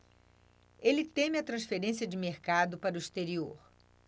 ele teme a transferência de mercado para o exterior